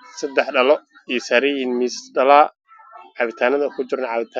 Waxa ii muuqdo dhalooyin ay ku jiraan caterro iyo midabkoodu yahay guduud